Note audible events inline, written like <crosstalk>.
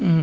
<hesitation>